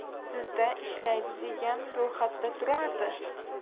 sizda ishlaydi degan ro'yxatda turardi